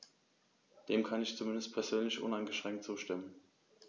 Dem kann ich zumindest persönlich uneingeschränkt zustimmen.